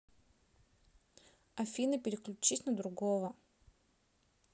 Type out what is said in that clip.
афина переключись на другого